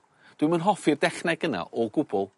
Dwi'm yn hoffi'r dechneg yna o gwbwl.